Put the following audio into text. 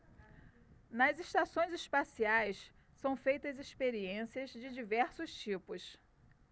nas estações espaciais são feitas experiências de diversos tipos